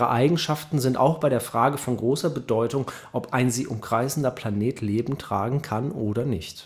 Eigenschaften sind auch bei der Frage von großer Bedeutung, ob ein sie umkreisender Planet Leben tragen kann oder nicht